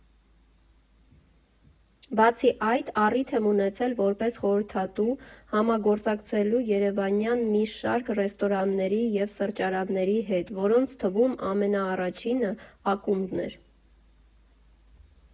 Բացի այդ, առիթ եմ ունեցել որպես խորհրդատու համագործակցելու երևանյան մի շարք ռեստորանների և սրճարանների հետ, որոնց թվում ամենաառաջինը «Ակումբն» էր։